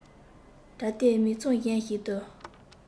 བྲལ ཏེ མི ཚང གཞན ཞིག ཏུ